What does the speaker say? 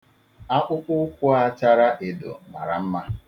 Akpụkpụ ụkwụ a chara edo mara mma.